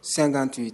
58